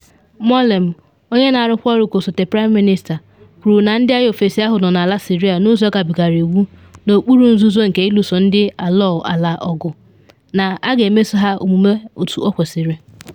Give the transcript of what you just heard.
Moualem, onye na arụkwa ọrụ ka osote praịm minista, kwuru na ndị agha ofesi ahụ nọ n’ala Syrian n’ụzọ gabigara iwu, n’okpuru nzuzo nke iluso ndị alụọ alaa ọgụ, na “a ga-emeso ha omume otu ekwesịrị.”